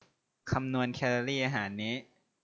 คำนวณแคลอรี่อาหารนี้